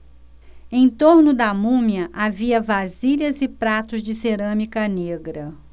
em torno da múmia havia vasilhas e pratos de cerâmica negra